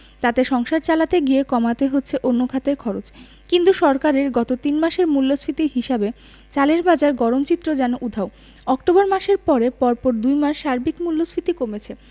তাতে সংসার চালাতে গিয়ে কমাতে হচ্ছে অন্য খাতের খরচ কিন্তু সরকারের গত তিন মাসের মূল্যস্ফীতির হিসাবে চালের বাজার গরম চিত্র যেন উধাও অক্টোবর মাসের পরে পরপর দুই মাস সার্বিক মূল্যস্ফীতি কমেছে